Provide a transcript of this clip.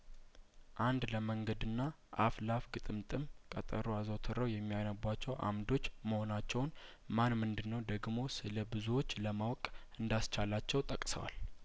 አንድ ለመንገድና አፍ ላፍ ግጥም ጥም ቀጠሮ አዘውት ረው የሚያነቧቸው አምዶች መሆናቸውን ማንምንድነው ደግሞ ስለብዙዎች ለማወቅ እንዳስ ቻላቸው ጠቅሰዋል